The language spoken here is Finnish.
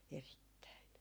erittäin